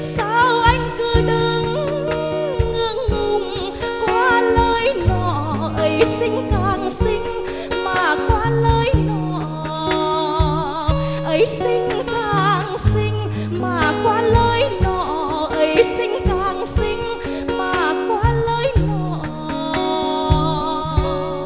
sao anh cứ đứng ngượng ngùng qua lối nhỏ ấy xinh càng xinh mà qua lối nhỏ ấy xinh càng xinh mà qua lối nhỏ ấy xinh càng xinh mà qua lối nhỏ